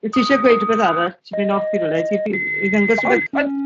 ...wyt ti isie gweud rwbeth arall? Ti'n mynd off i rywle wyt ti lli- i ddangos rwbeth?